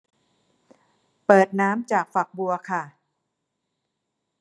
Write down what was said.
เปิดน้ำจากฝักบัวค่ะ